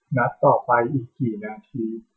นัดต่อไปอีกกี่นาที